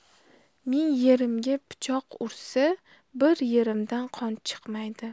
ming yerimga pichoq ursa bir yerimdan qon chiqmaydi